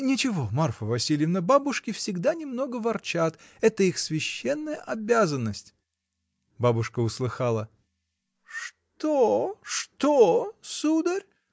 — Ничего, Марфа Васильевна, бабушки всегда немного ворчат — это их священная обязанность. Бабушка услыхала. — Что, что, сударь?